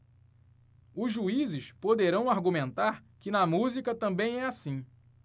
os juízes poderão argumentar que na música também é assim